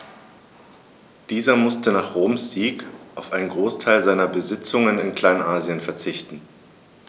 Dieser musste nach Roms Sieg auf einen Großteil seiner Besitzungen in Kleinasien verzichten.